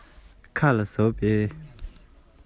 ཁོ གཉིས ཀྱི འགྲམ དུ བག ལེབ